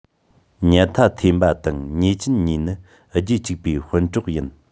ཉལ ཐ འཐེན པ དང ཉེས ཅན གཉིས ནི རྒྱུད གཅིག པའི སྤུན གྲོགས ཡིན